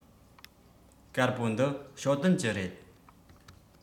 དཀར པོ འདི ཞའོ ཏོན གྱི རེད